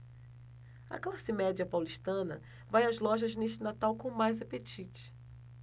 a classe média paulistana vai às lojas neste natal com mais apetite